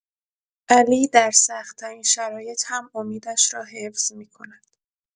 علی در سخت‌ترین شرایط هم امیدش را حفظ می‌کند.